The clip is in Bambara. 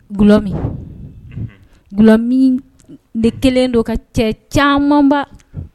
Glɔlɔmi ne kelen don ka cɛ camanba